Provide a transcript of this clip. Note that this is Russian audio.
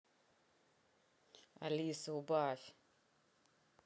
алиса убавь